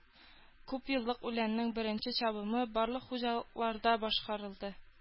Күпьеллык үләннең беренче чабымы барлык хуҗалыкларда башкарылды